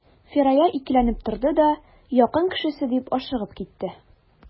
Фирая икеләнеп торды да: — Якын кешесе,— дип ашыгып әйтте.